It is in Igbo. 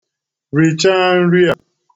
Richaa nri a.